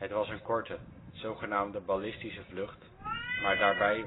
was een korte, zogenaamde ballistische vlucht, maar daarbij